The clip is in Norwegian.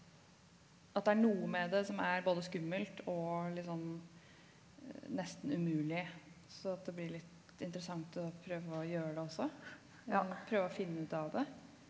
at det er noe med det som er både skummelt og liksom nesten umulig så at det blir litt interessant å prøve å gjøre det også og prøve å finne ut av det.